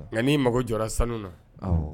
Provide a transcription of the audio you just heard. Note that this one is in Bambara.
Nka' mago jɔra sanu na